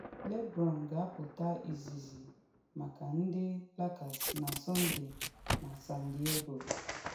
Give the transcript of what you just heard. Lebron ga-apụta izizi maka ndị Lakers na Sọnde na San Diego